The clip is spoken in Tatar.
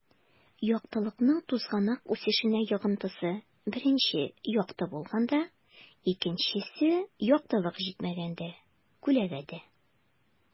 Яктылыкның тузганак үсешенә йогынтысы: 1 - якты булганда; 2 - яктылык җитмәгәндә (күләгәдә)